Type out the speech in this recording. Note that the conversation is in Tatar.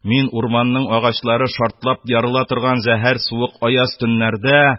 Мин урманның агачлары шартлап ярыла торган зәһәр суык, аяз төннәрдә